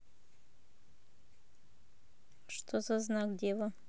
что за знак дева